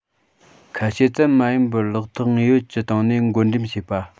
ཁ བཤད ཙམ མ ཡིན པར ལག ཐོག དངོས ཡོད ཀྱི སྟེང ནས བགོ འགྲེམས བྱས པ